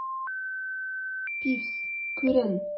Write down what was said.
Пивз, күрен!